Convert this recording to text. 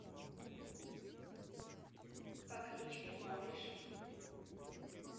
по кличке малыш